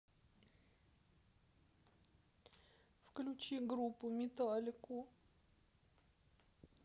включи группу металлику